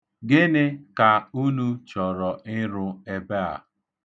Gịnị ka unu chọro ịrụ ebe a?